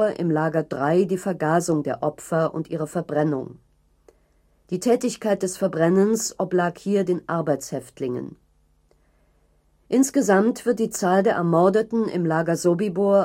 im Lager III die Vergasung der Opfer und ihre Verbrennung; die Tätigkeit des Verbrennens oblag hier den Arbeitshäftlingen. Insgesamt wird die Zahl der Ermordeten im Lager Sobibór